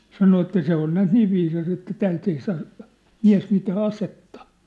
sanoin että se on näet niin viisas että täältä ei saa mies mitään asetta